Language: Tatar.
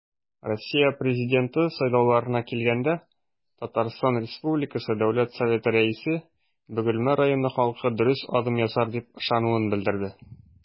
Россия Президенты сайлауларына килгәндә, ТР Дәүләт Советы Рәисе Бөгелмә районы халкы дөрес адым ясар дип ышануын белдерде.